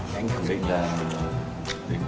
anh khẳng định là đến